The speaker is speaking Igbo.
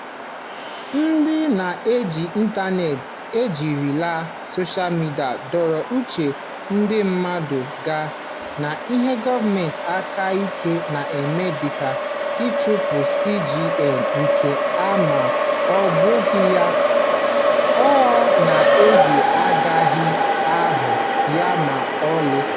Ndị na-eji ịntaneetị ejirila soshaa midịa dọrọ uche ndị mmadụ gaa n'ihe gọọmentị aka ike na-eme dịka ịchụpụ CJN, nke na ma ọ bụghị ya, ọha na eze agaghị ahụ ya ma ọlị.